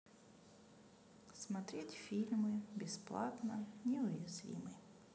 смотреть фильмы бесплатно неуязвимый